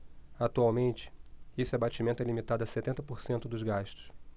atualmente esse abatimento é limitado a setenta por cento dos gastos